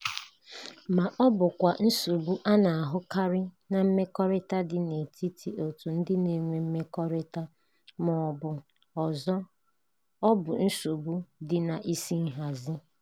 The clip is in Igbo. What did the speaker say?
Ma ọ bụkwa nsogbu a na-ahụkarị na mmekọrịta dị n'etiti otu ndị na-enwe mmekọrịta ma ọ bụ ọzọ - ọ bụ nsogbu dị n'isi nhazi.